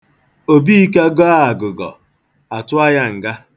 Obika gọọ agụgọ, a tụọ ya nga.